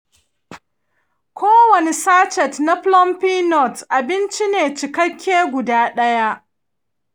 kowanne sachet na plumpy nut abinci ne cikakke guda ɗaya.